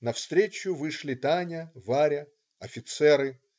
Навстречу вышли Таня, Варя, офицеры.